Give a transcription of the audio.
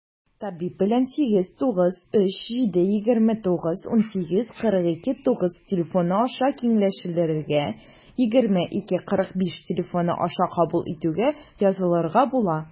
Табиб белән 89372918429 телефоны аша киңәшләшергә, 20-2-45 телефоны аша кабул итүгә язылырга була.